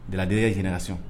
Dilande ye hinɛna sɔn